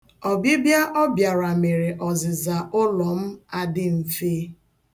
Ọbịbịa ọ bịara mere ọzịza ụlọ m adị mfe.